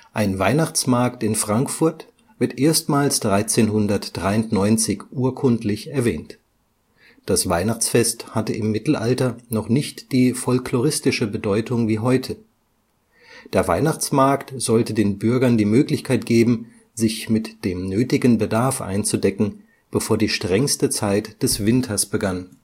Ein Weihnachtsmarkt in Frankfurt wird erstmals 1393 urkundlich erwähnt. Das Weihnachtsfest hatte im Mittelalter noch nicht die folkloristische Bedeutung wie heute. Der Weihnachtsmarkt sollte den Bürgern die Möglichkeit geben, sich mit dem nötigen Bedarf einzudecken, bevor die strengste Zeit des Winters begann